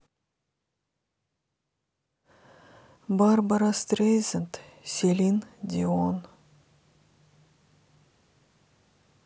барбара стрейзанд селин дион